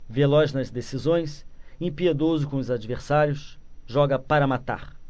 veloz nas decisões impiedoso com os adversários joga para matar